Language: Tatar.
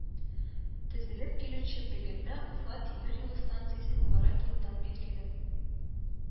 Төзелеп килүче Бөгелмә – Уфа тимер юлы станциясе буларак елдан билгеле